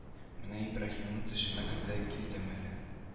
Менә ибраһимым төшемә керде дә килдем әле